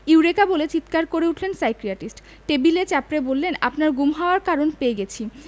eureka বলে চিৎকার করে উঠলেন সাইকিয়াট্রিস্ট টেবিলে চাপড়ে বললেন আপনার গুম হওয়ার কারণ পেয়ে গেছি